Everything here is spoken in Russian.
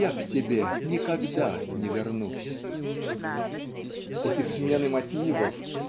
Я к тебе никогда не вернусь. Эти смены мотивов